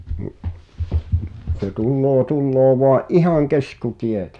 niin se tulee tulee vain ihan keskitietä